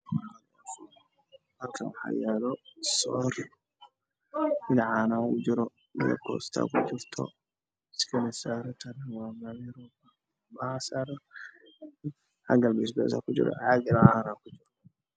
Halkan waxaa yalo soor dhinac cana ugu jiro dhinac kosta ku kurto wexey saran tahay waa meel yar waxaa saran xagana basbasaa ku jiro cagana cana ku juro